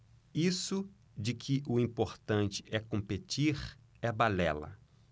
isso de que o importante é competir é balela